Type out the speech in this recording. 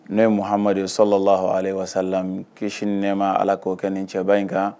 N'o ye muhamadu sɔlɔlalehu wasalam kisi nɛ mɛma Ala ko kɛ nin cɛba in kan.